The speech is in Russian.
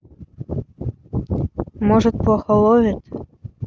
может плохо ловит